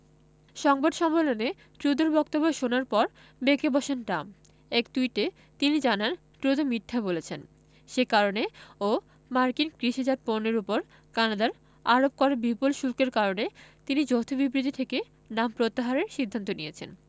সংবাদ সম্মেলনে ট্রুডোর বক্তব্য শোনার পর বেঁকে বসেন ট্রাম্প এক টুইটে তিনি জানান ট্রুডো মিথ্যা বলেছেন সে কারণে ও মার্কিন কৃষিজাত পণ্যের ওপর কানাডার আরোপ করা বিপুল শুল্কের কারণে তিনি যৌথ বিবৃতি থেকে নাম প্রত্যাহারের সিদ্ধান্ত নিয়েছেন